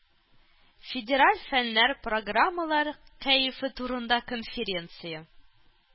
Федераль фэннэр программалар кәефе турында конференция.